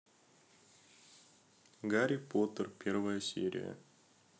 гарри поттер первая серия